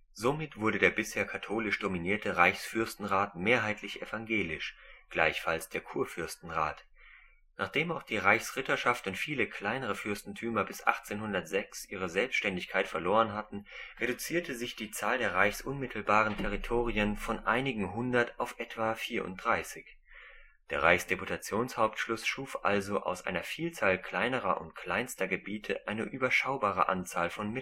Somit wurde der bisher katholisch dominierte Reichsfürstenrat mehrheitlich evangelisch, gleichfalls der Kurfürstenrat. Nachdem auch die Reichsritterschaft und viele kleine Fürstentümer bis 1806 ihre Selbständigkeit verloren hatten, reduzierte sich die Zahl der reichsunmittelbaren Territorien von einigen hundert auf etwa vierunddreißig. Der Reichsdeputationshauptschluss schuf also aus einer Vielzahl kleiner und kleinster Gebiete eine überschaubare Anzahl von